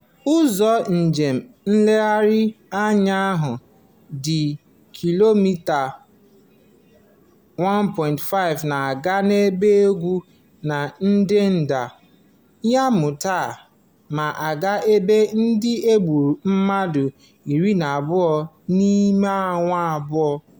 Ụzọ njem nlegharị anya ahụ dị kilomịta1.5 na-aga n'ebe ugwu na ndịda Yau Ma Tei ma gaa n'ebe ndị e gburu mmadụ 12 n'ime awa abụọ.